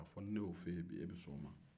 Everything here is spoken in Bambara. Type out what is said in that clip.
a fɔ ni ne ye o fɔ e ye e bɛ sɔn o ma